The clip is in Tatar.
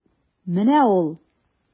Менә ул.